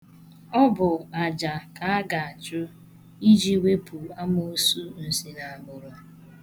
Ọ bụ aja ka a ga-achụ iji wepu amoosu nsinagbụrụ.